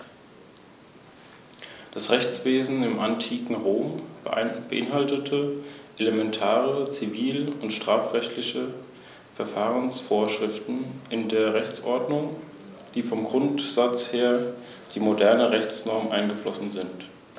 Infolge der römischen Erfolge stieg auch die Menge des zur Verfügung stehenden Münzgeldes dramatisch an, ebenso wie sich die Anzahl der Sklaven immer mehr erhöhte.